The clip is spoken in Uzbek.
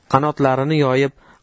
qanotlarini yoyib